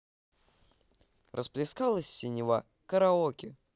расплескалась синева караоке